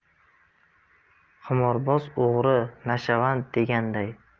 qimorboz o'g'ri nashavand deganday